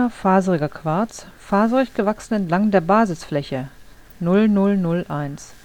faseriger Quarz, faserig gewachsen entlang einer Prismenfläche [11-20] („ length-fast “). Quarzin: mikrokristalliner, faseriger Quarz, faserig gewachsen entlang der Basisfläche (0001